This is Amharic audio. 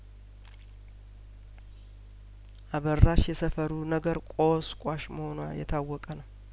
አበራሽ የሰፈሩ ነገር ቆስቋሽ መሆኗ የታወቀ ነው